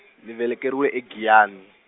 ndzi velekeriwe e- Giyani.